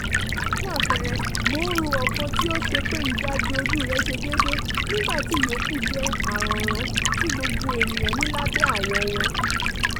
Fún àpẹẹrẹ, mò ń ro ọ̀kan tí ó ṣe pé ìdajì ojú rẹ̀ ṣe déédéé nígbàtí ìyókù jẹ́ aranran tí gbogbo ènìyàn ní lábẹ́ awọ wọn.